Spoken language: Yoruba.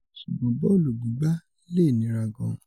Ṣùgbọ́n bọ́ọ̀lù gbígbá lè nira gan.